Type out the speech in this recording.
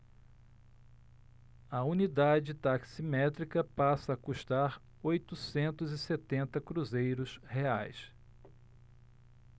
a unidade taximétrica passa a custar oitocentos e setenta cruzeiros reais